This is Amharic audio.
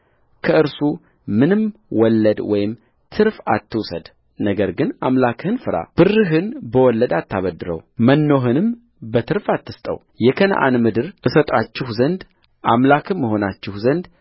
ከእርሱ ምንም ወለድ ወይም ትርፍ አትውሰድ ነገር ግን አምላክህን ፍራብርህን በወለድ አታበድረው መኖህንም በትርፍ አትስጠውየከነዓንን ምድር እሰጣችሁ ዘንድ አምላክም እሆናችሁ ዘንድ